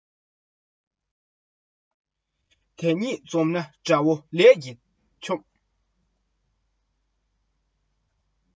དེ གཉིས འཛོམས ན དགྲ བོ ལས ཀྱིས འཇོམས